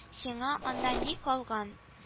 Сиңа анда ни калган